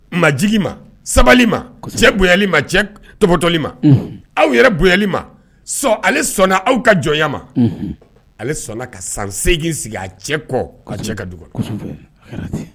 Ma jigi ma sabali ma cɛli ma cɛ tɔtɔli ma aw yɛrɛ bonyali ma ale sɔnna aw ka jɔn ma ale sɔnna ka san segin sigi a cɛ kɔ ka cɛ ka du